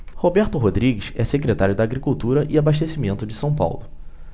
roberto rodrigues é secretário da agricultura e abastecimento de são paulo